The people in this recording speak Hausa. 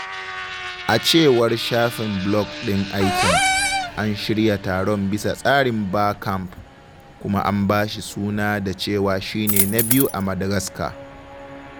A cewar shafin blog ɗin aikin, an shirya taron bisa tsarin Barcamp, kuma an ba shi suna da cewa shine na biyu a Madagascar.